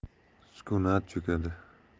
sukunat cho'kadi